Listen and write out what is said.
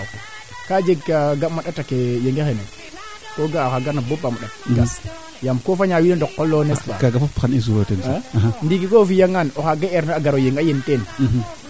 yaam ka'a nenef oxa moƴna waaga tos jegee kaa xaand de tel sorte que bo dufoona tookum to watniro kaana ande i ndeta nga bo njiind ne kaa mboor waa a dosa meene baa pare